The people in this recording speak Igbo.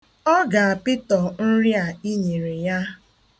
Ọ ga-apịtọ nri a i nyere ya.